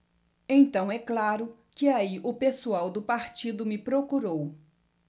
então é claro que aí o pessoal do partido me procurou